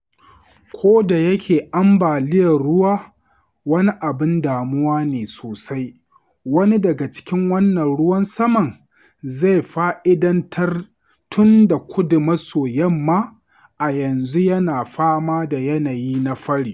Kodayake ambaliyar ruwa wani abin damuwa ne sosai, wani daga cikin wannan ruwan saman zai fa’idantar tun da Kudu-maso-yamma a yanzu yana fama da yanayi na fari.